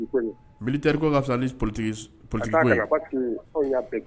Bi terikɛri ka fila poli p